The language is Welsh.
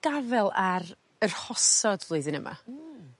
gafel ar yr rhosod flwyddyn yma. Hmm.